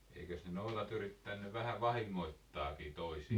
eikös ne noilla yrittänyt vähän vahingoittaakin toisia